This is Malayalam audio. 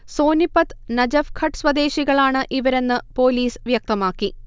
സോനിപത്ത്, നജഫ്ഘട്ട് സ്വദേശികളാണ് ഇവരെന്ന് പോലീസ് വ്യക്തമാക്കി